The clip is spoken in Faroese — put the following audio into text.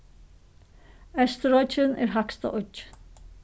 eysturoyggin er hægsta oyggin